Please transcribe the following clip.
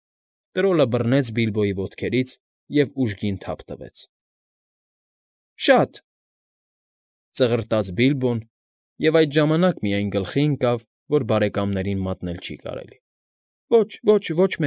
Տրոլը բռնեց Բիլբոյի ոտքերից և ուժգին թափ տվեց։ ֊ Շա՜տ,֊ ծղրտաց Բիլբոն և այդ ժամանակ միայն գլխի ընկավ, որ բարեկամներին մատնել չի կարելի։ ֊ Ո՛չ, ոչ՛, ո՛չ։